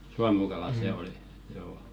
suomukala se oli joo